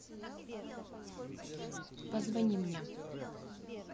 позвоните мне